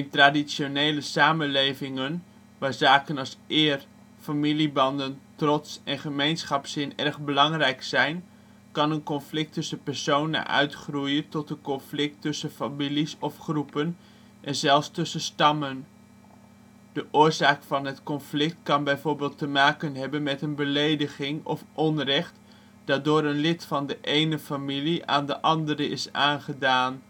traditionele samenlevingen, waar zaken als eer, familiebanden, trots en gemeenschapszin erg belangrijk zijn kan een conflict tussen personen uitgroeien tot een conflict tussen families of groepen en zelfs tussen stammen. De oorzaak van het conflict kan bijvoorbeeld te maken hebben met een belediging of onrecht dat door een lid van de ene familie aan de andere is aangedaan